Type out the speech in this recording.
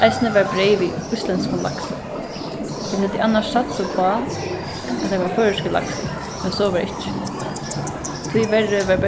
eisini var breyð við íslendskum laksi vit høvdu annars satsað uppá at har var føroyskur laksur men so var ikki tíverri var